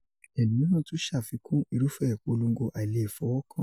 ẹlmiran tun ṣafikun: “Irufẹ ipolongo ailefọwọkan.”